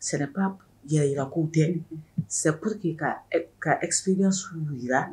Sɛp yaa jira ko tɛ sɛ pour que ka ka epya su jira